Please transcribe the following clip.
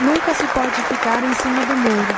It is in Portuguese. nunca se pode ficar em cima do muro